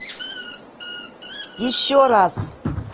еще раз